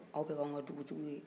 aw bɛ kɛ anw ka dugutigiw ye